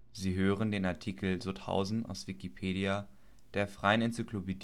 Sie hören den Artikel Sutthausen, aus Wikipedia, der freien Enzyklopädie